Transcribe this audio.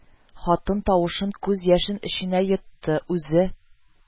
Хатын тавышын, күз яшен эченә йотты, үзе: